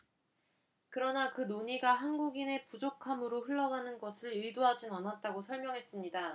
그러나 그 논의가 한국인의 부족함으로 흘러가는 것을 의도하진 않았다고 설명했습니다